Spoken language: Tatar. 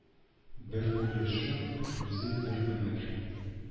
Бер күрешү үзе бер гомер.